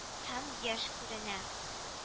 Һәм яшь күренә